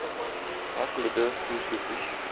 aslida suv sepish